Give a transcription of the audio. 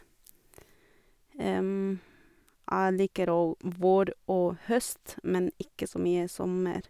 Jeg liker òg vår og høst, men ikke så mye sommer.